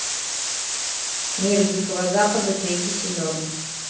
мир дикого запада третий сезон